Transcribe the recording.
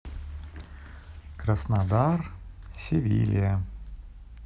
краснодар севилия